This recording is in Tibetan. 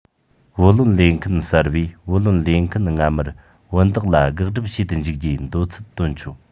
བུ ལོན ལེན མཁན གསར པས བུ ལོན ལེན མཁན སྔ མར བུན བདག ལ དགག སྒྲུབ བྱེད དུ འཇུག རྒྱུའི འདོད ཚུལ བཏོན ཆོག